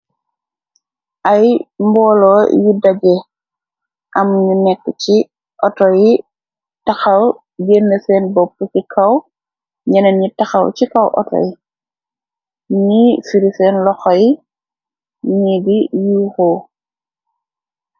Ay mbooloo yi daje , am ñu nekk ci auto yi taxaw yenn seen bopp ci kaw, ñena ni taxaw ci kaw autoy, ni firi seen loxoy nigi yuuxo.